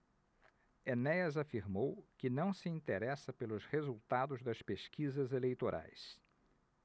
enéas afirmou que não se interessa pelos resultados das pesquisas eleitorais